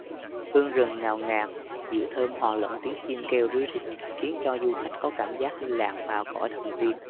hương rừng ngào ngạt diệu thơm hòa lẫn tiếng chim kêu ríu rít khiến cho du khách có cảm giác như lạc vào cõi thần tiên